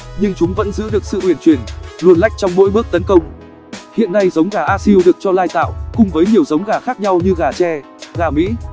nhưng chúng vẫn giữ được sự uyển chuyển luồn lách trong mỗi bước tấn công hiện nay giống gà asil được cho lai tạo cùng với nhiều giống gà khác nhau như gà tre gà mỹ